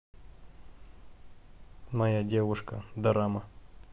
моя девушка дорама